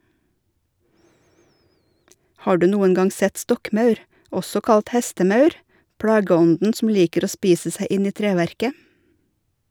Har du noen gang sett stokkmaur, også kalt hestemaur, plageånden som liker å spise seg inn i treverket?